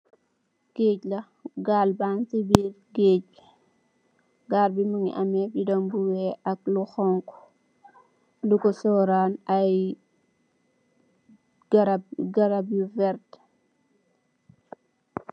Geèj la, gaal baang si geèj bi, gaal bi mungi ameh bidong bu weeh ak lu xonxu, luko soround aye garap yu gaat.